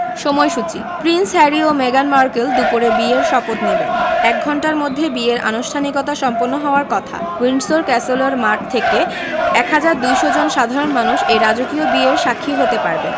সময়সূচি Prince Harry ও মেগান মার্কেল দুপুরে বিয়ের শপথ নেবেন এক ঘণ্টার মধ্যে বিয়ের আনুষ্ঠানিকতা সম্পন্ন হওয়ার কথা উইন্ডসর ক্যাসেলের মাঠ থেকে ১হাজার ২০০ জন সাধারণ মানুষ এই রাজকীয় বিয়ের সাক্ষী হতে পারবেন